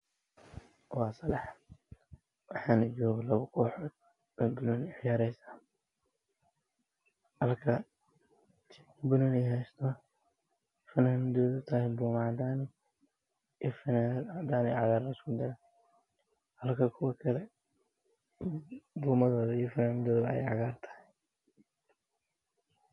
Waa wiilal kubad dheelayo